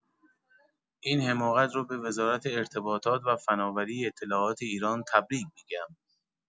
این حماقت رو به وزارت ارتباطات و فناوری اطلاعات ایران تبریک می‌گم!